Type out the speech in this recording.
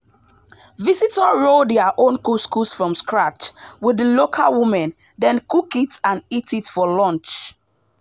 Visitors roll their own couscous from scratch with the local women, and then cook it and eat it for lunch.